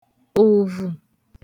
ùvù